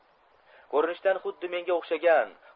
ko'rinishdan xuddi menga o'xshagan